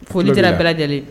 Foli kɛla bɛɛ lajɛlen ye